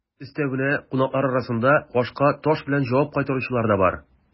Өстәвенә, кунаклар арасында ашка таш белән җавап кайтаручылар да бар.